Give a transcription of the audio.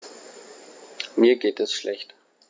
Mir geht es schlecht.